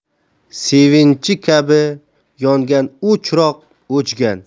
sevinchi kabi yongan u chiroq o'chgan